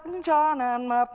cho nàng mặc